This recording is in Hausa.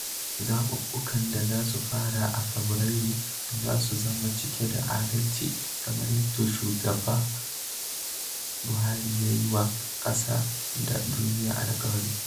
Zaɓuɓɓukan da za su fara a Fabarairu za su zama cike da adalci kamar yadda shugaba Buhari ya yi wa ƙasa da duniya alƙawari.